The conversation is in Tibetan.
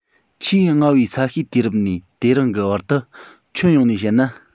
ཆེས སྔ བའི ས གཤིས དུས རབས ནས དེ རིང གི བར དུ ཁྱོན ཡོངས ནས བཤད ན